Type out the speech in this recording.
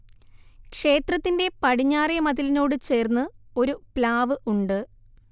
ക്ഷേത്രത്തിന്റെ പടിഞ്ഞാറെ മതിലിനോട് ചേർന്നു ഒരു പ്ലാവ് ഉണ്ട്